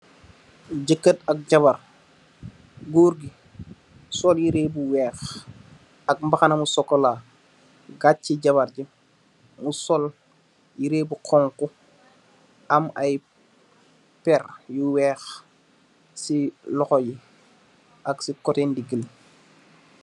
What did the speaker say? Jekerr ak jabarr sul goor bi sul yereh yu wekh ak mbakhana bu chocola gachi jabarr bi mu sul yereh bu xhong khu am aye perr yu wekh si luxho bi ak si kuteh ndigi bi